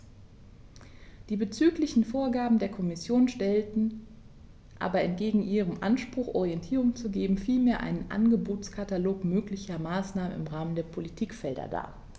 Die diesbezüglichen Vorgaben der Kommission stellen aber entgegen ihrem Anspruch, Orientierung zu geben, vielmehr einen Angebotskatalog möglicher Maßnahmen im Rahmen der Politikfelder dar.